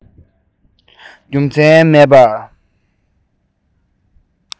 རྒྱུ མཚན མེད པར